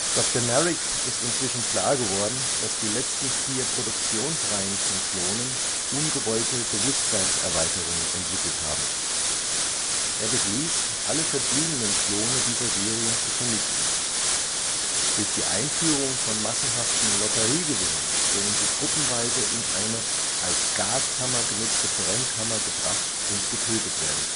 Dr. Merrick ist inzwischen klar geworden, dass die letzten vier Produktionsreihen von Klonen (Echo, Foxtrott, Gamma, Hilo) ungewollte Bewusstseinserweiterungen entwickelt haben. Er beschließt, alle verbliebenen Klone dieser Serien zu vernichten. Durch die Einführung von massenhaften „ Lotteriegewinnen “sollen sie gruppenweise in eine als Gaskammer genutzte Brennkammer gebracht und getötet werden